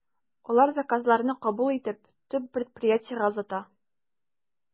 Алар заказларны кабул итеп, төп предприятиегә озата.